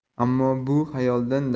ammo bu xayoldan